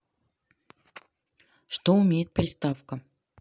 что умеет приставка